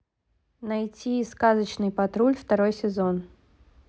найти сказочный патруль второй сезон